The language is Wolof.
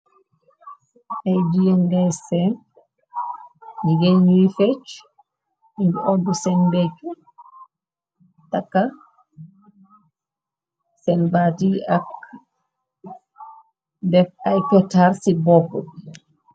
Ay jiangae sen ji gén ñuy fecc ni oddu seen beccu takka seen baat yi def ay kuetaar ci bopp.